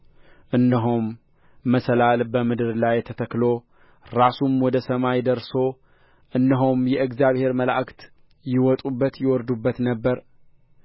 እነሆም መሰላል በምድር ላይ ተተክሎ ራሱም ወደ ሰማይ ደርሶ እነሆም የእግዚአብሔር መላእክት ይወጡበት ይወርዱበት ነበር